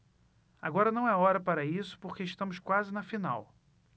agora não é hora para isso porque estamos quase na final